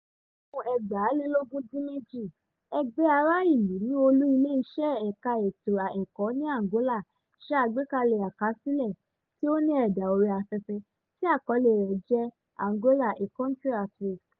Ní ọdún 2018, ẹgbẹ́ ara-ìlú ní olú-ilé iṣẹ́ ẹ̀ka ètò-ẹ́kọ́ ní Angola, ṣe àgbékalẹ̀ àkásílẹ̀ (tí ò ní ẹ̀dà orí-afẹ́fẹ́) tí àkọlé rẹ̀ jẹ́ ˆAngola, a country at risk".